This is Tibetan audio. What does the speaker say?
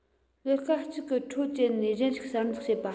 ལས ཀ གཅིག གི འཕྲོ བཅད ནས གཞན ཞིག གསར འཛུགས བྱེད པ